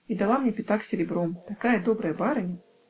И дала мне пятак серебром -- такая добрая барыня!.